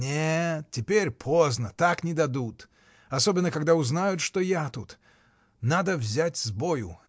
— Нет, теперь поздно, так не дадут — особенно когда узнают, что я тут: надо взять с бою.